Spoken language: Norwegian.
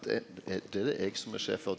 det er det er det eg som er sjef for.